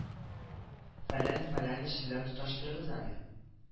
Фәлән фәләнич белән тоташтырыгыз әле